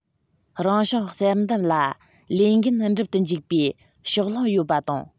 རང བྱུང བསལ འདེམས ལ ལས འགན འགྲུབ ཏུ འཇུག པའི ཕྱོགས ལྷུང ཡོད པ དང